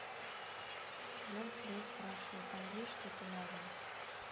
я у тебя и спрашиваю там есть что то новое